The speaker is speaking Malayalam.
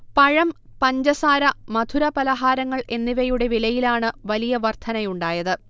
പഴം, പഞ്ചസാര, മധുര പലഹാരങ്ങൾ എന്നിവയുടെ വിലയിലാണ് വലിയ വർധനയുണ്ടായത്